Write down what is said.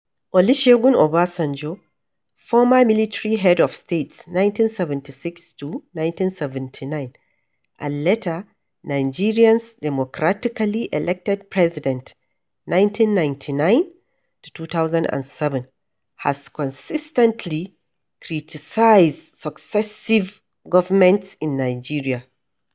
Olusegun Obasanjo, former military head of state (1976-1979) and later Nigeria’s democratically elected president (1999-2007), has consistently criticized successive governments in Nigeria.